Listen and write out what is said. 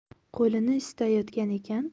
qo'lini isitayotgan ekan